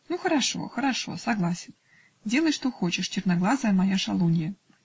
-- Ну, хорошо, хорошо; согласен, делай, что хочешь, черноглазая моя шалунья".